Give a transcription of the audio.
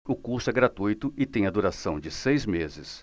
o curso é gratuito e tem a duração de seis meses